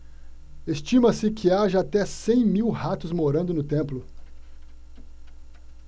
estima-se que haja até cem mil ratos morando no templo